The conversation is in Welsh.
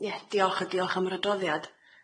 Yym ie dioch a diolch am yr adroddiad.